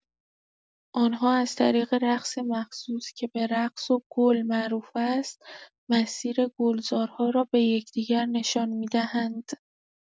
آنها از طریق رقص مخصوص که به رقص وگل معروف است، مسیر گلزارها را به یکدیگر نشان می‌دهند.